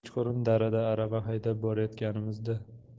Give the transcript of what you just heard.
kechqurun darada arava haydab borayotganimizda